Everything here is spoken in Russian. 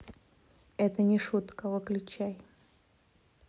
это не шутка выключай